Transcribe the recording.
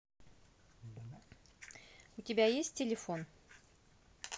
у тебя есть телефон